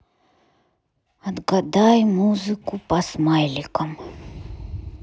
отгадай музыку по смайликам